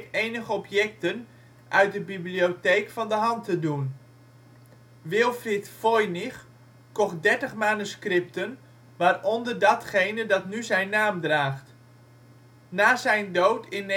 enige objecten uit de bibliotheek van de hand te doen. Wilfrid Voynich kocht dertig manuscripten, waaronder datgene dat nu zijn naam draagt. Na zijn dood in